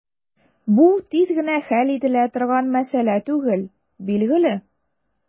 Бу тиз генә хәл ителә торган мәсьәлә түгел, билгеле.